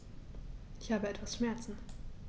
Ich habe etwas Schmerzen.